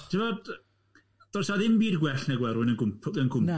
Ti'n gwbod, do's na ddim byd gwell neu' gweld rywun yn gwmpw- yn gwmpw Na.